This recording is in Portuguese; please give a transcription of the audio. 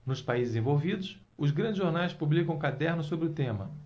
nos países desenvolvidos os grandes jornais publicam cadernos sobre o tema